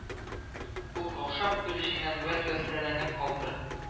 Ул, каушап, үз эченнән вәсвәсәләнеп калды: